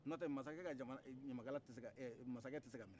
n'o tɛ masakɛ ka ɲamakala tɛ se ka masakɛ tɛ se ka minɛ